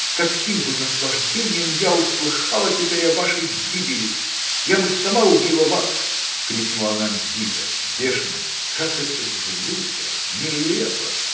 С каким бы наслаждением я услыхала теперь о вашей гибели. я бы сама убила вас! – крикнула она дико, бешено. Как это глупо! нелепо!